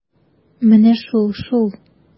Менә шул-шул!